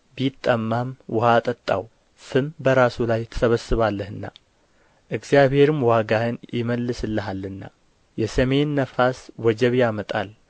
ቢጠማም ውኃ አጠጣው ፍም በራሱ ላይ ትሰበስባለህና እግዚአብሔርም ዋጋህን ይመልስልሃልና የሰሜን ነፋስ ወጀብ ያመጣል